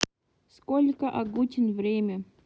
сколько агутин время